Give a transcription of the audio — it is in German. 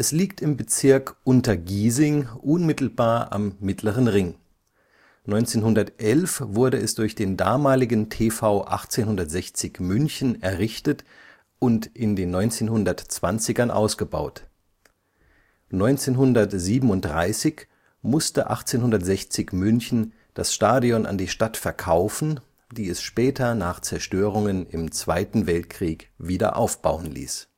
liegt im Bezirk Untergiesing, unmittelbar am Mittleren Ring. 1911 wurde es durch den damaligen TV 1860 München errichtet und in den 1920ern ausgebaut. 1937 musste 1860 München das Stadion an die Stadt verkaufen, die es später nach Zerstörungen im Zweiten Weltkrieg wieder aufbauen ließ